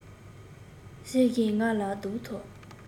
ཟེར བཞིན ང ལ རྡོག ཐོ